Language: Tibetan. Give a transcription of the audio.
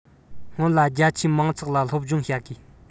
སྔོན ལ རྒྱ ཆེའི མང ཚོགས ལ སློབ སྦྱོང བྱ དགོས